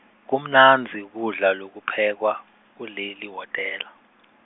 kumnandzi kudla lokuphekwa, kuleli wotela.